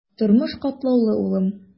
Тормыш катлаулы, улым.